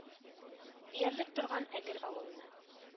Диярлек торган әгер авылына